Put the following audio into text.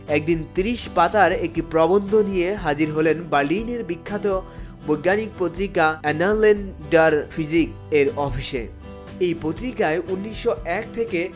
একদিন ৩০ পাতার একটি প্রবন্ধ নিয়ে হাজির হলেন বার্লিনের বিখ্যাত বৈজ্ঞানিক পত্রিকা এনা ল্যান্ডার ফিজিক্স এর অফিসে এ পত্রিকায় ১৯০১ থেকে